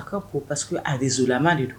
A ka ko parceque a réseau la man de don.